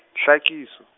hlakiso.